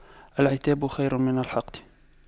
العتاب خير من الحقد